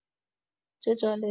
چه جالب!